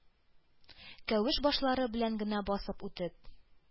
Кәвеш башлары белән генә басып үтеп,